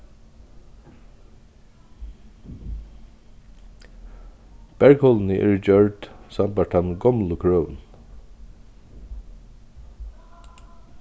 bergholini eru gjørd sambært teimum gomlu krøvunum